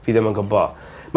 Fi ddim yn gwbo.